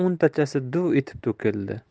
o'ntachasi duv etib to'kildi